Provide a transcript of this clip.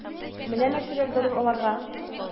Менә нәрсәләр зарур аларга...